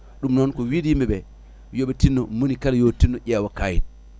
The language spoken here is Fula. ɗum noon ko wiide yimɓeɓe yooɓe tinno monikala yo tinno ƴeewa kayit